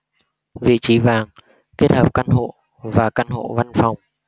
vị trí vàng kết hợp căn hộ và căn hộ văn phòng